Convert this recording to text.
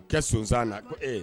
Kɛ sonsan na ee